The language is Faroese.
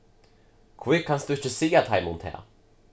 hví kanst tú ikki siga teimum tað